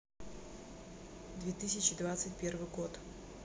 две тысячи двадцать первый год